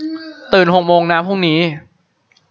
ตื่นหกโมงนะพรุ่งนี้